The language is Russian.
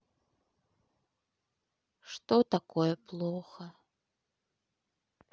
что такое плохо